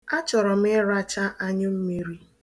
Achọrọ m ịracha anyụmmiri.